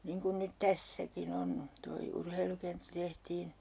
niin kuin nyt tässäkin on tuo urheilukenttä tehtiin